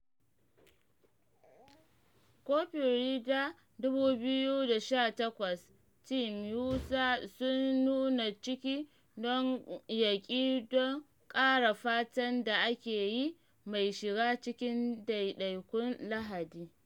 Kofin Ryder 2018: Team USA sun nuna ciki don yaƙi don raya fatan da ake yi mai shiga cikin ɗaiɗaikun Lahadi